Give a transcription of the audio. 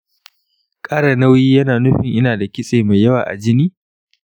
ƙara nauyi yana nufin ina da kitse mai yawa a jini?